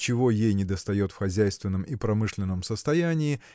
чего ей недостает в хозяйственном и промышленном состоянии